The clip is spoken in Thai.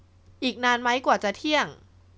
อีกนานไหมกว่าจะเที่ยง